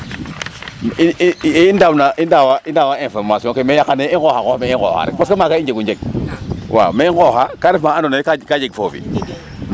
i i i ndaawa information ke ndaa yaqanee i nqooxa nqoox me i nqooxa rek parce que maaga i njegu njeg waaw me i nqooxa ka ref ma andoona yee ka jeg foofi.